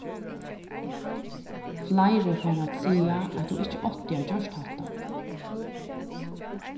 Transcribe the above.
fleiri fara at siga at tú ikki átti at gjørt hatta